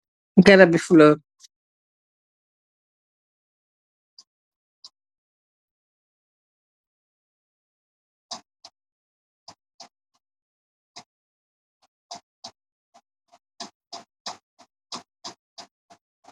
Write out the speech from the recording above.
Garap bou follor la mugui am aye hob yu werter